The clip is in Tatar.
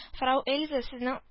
- фрау эльза, сезнең